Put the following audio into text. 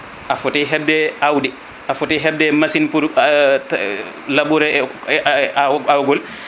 a foti hebde awdi a foti hebde machine pour labourer awgol